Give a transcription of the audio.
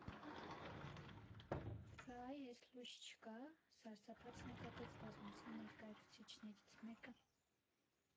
Վայ, էս լույս չկա՞, ֊ սարսափած նկատեց բազմության ներկայացուցիչներից մեկը։